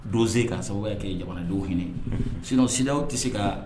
Don ka sababu kɛ jamanadenw hinɛ s sidaw tɛ se ka